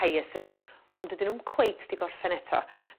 hyacins ond dydyn nw'm cweit 'di gorffen eto.